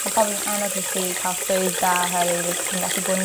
ma' pobol yn annog i chi ca'l swydd da oherwydd rydych chi'n gallu bod yn